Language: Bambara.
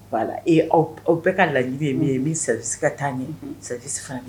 Ee aw bɛɛ ka laɲi ye min ye, ni service ka taa ɲɛ, service ka